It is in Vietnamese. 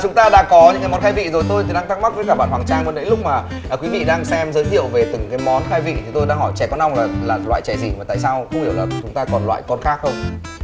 chúng ta đã có những cái món khai vị rồi tôi thì đang thắc mắc với cả bạn hoàng trang ban nãy lúc mà à quý vị đang xem giới thiệu về từng cái món khai vị thì tôi đang hỏi chè con ong là là loại chè gì mà tại sao không hiểu là chúng ta còn loại con khác không